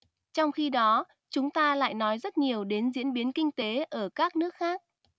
trong khi đó chúng ta lại nói rất nhiều đến diễn biến kinh tế ở các nước khác